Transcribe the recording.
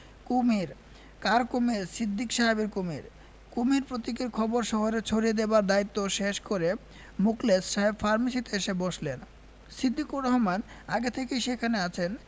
কুমীর কার কুমীর সিদ্দিক সাহেবের কুমীর কুমীর প্রতীকের খবর শহরে ছড়িয়ে দেবার দায়িত্ব শেষ করে মুখলেস সাহেব ফার্মেসীতে এসে বসলেন সিদ্দিকুর রহমনি আগে থেকেই সেখানে আছেন